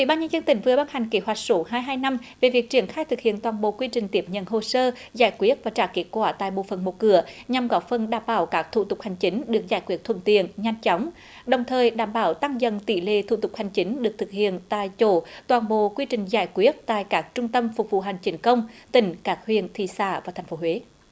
ủy ban nhân dân tỉnh vừa ban hành kế hoạch số hai hai năm về việc triển khai thực hiện toàn bộ quy trình tiếp nhận hồ sơ giải quyết và trả kết quả tại bộ phận một cửa nhằm góp phần đảm bảo các thủ tục hành chính được giải quyết thuận tiện nhanh chóng đồng thời đảm bảo tăng dần tỷ lệ thủ tục hành chính được thực hiện tại chỗ toàn bộ quy trình giải quyết tại các trung tâm phục vụ hành chính công tỉnh các huyện thị xã và thành phố huế